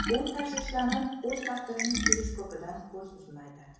u tashvishlanib o'z taqdirining periskopidan ko'z uzmaydi